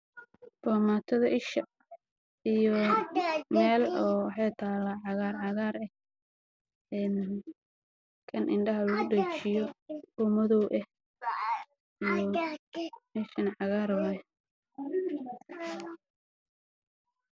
Waa roog cagaaran waxa saaran kartoon pinki